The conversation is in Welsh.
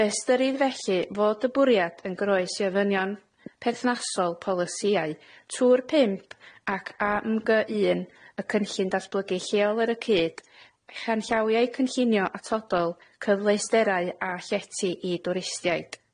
Fe ystyrir felly fod y bwriad yn groes i ofynion perthnasol polisïau, tŵr pump, ac A M Gy un, y Cynllun Datblygu Lleol ar y cyd, a chanllawiau cynllunio atodol cyfleusterau a llety i dwristiaid.